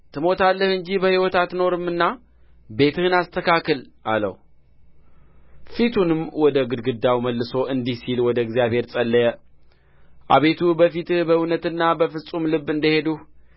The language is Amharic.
ትሞታለህ እንጂ በሕይወት አትኖርምና ቤትህን አስተካክል አለው ፊቱንም ወደ ግድግዳው መልሶ እንዲህ ሲል ወደ እግዚአብሔር ጸለየ አቤቱ በፊትህ በእውነትና በፍጹም ልብ እንደ ሄድሁ